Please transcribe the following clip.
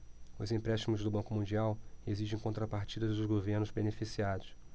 os empréstimos do banco mundial exigem contrapartidas dos governos beneficiados